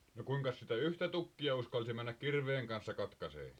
no kuinkas sitä yhtä tukkia uskalsi mennä kirveen kanssa katkaisemaan